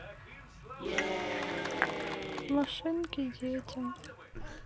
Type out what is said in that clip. машинки детям